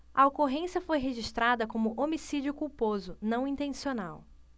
a ocorrência foi registrada como homicídio culposo não intencional